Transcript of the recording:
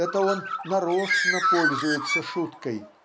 это он "нарочно" пользуется шуткой